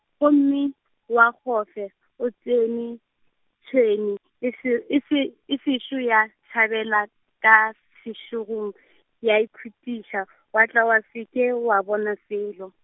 gomme, oa kgofe o tsene tšhwene, e se e se, e sešo ya, tšhabela ka sešegong, ya ikutiša, wa tla wa se ke wa bona selo.